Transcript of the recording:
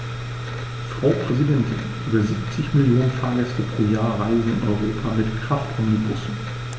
Frau Präsidentin, über 70 Millionen Fahrgäste pro Jahr reisen in Europa mit Kraftomnibussen.